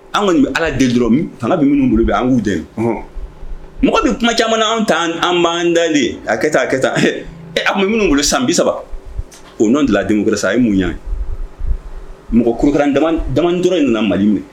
An kɔni ala deli dɔrɔn fana bɛ minnu bolo bɛ an'u dɛ mɔgɔ bɛ kuma caman an taa an ban dalen a ka taa a a tun minnugolo san bi saba o nɔ dilan den sa ye munyan mɔgɔ kuru dɔrɔn in nana mali mɛn